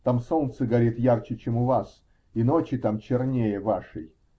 Там солнце горит ярче, чем у вас, и ночи там чернее вашей.